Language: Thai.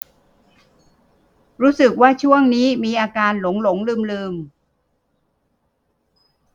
รู้สึกว่าช่วงนี้มีอาการหลงหลงลืมลืม